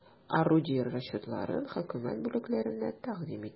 Орудие расчетларын хөкүмәт бүләкләренә тәкъдим итәм.